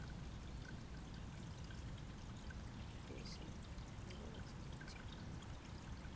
песни голос дети